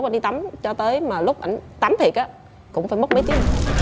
anh đi tắm cho tới mà lúc tắm thiệt á cũng phải mất mấy tiếng